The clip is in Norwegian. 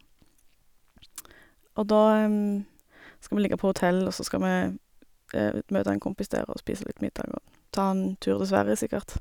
Og da skal vi ligge på hotell, og så skal vi møte en kompis der og spise litt middag og ta en tur til Sverige, sikkert.